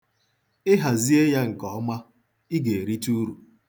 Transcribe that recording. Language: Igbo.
Ị hazie ya nke ọma, ị ga-erite uru.